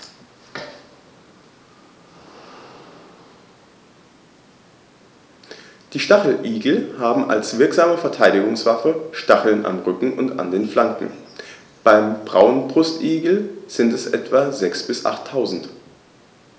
Die Stacheligel haben als wirksame Verteidigungswaffe Stacheln am Rücken und an den Flanken (beim Braunbrustigel sind es etwa sechs- bis achttausend).